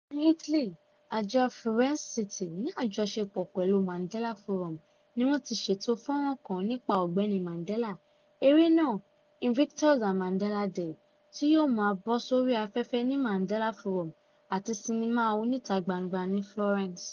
Ní Italy, Àjọ Firenze City, ní àjọṣepọ̀ pẹ̀lú Mandela Forum, ni wọ́n ti ṣètò fọ́nràn kan nípa Ọ̀gbẹ́ni Mandela, eré náà Invictus and Mandela Day, tí yóò máa bọ́ sórí afẹ́fẹ́ ní Mandela Forum àti sinimá oníta gbangba ní Florence.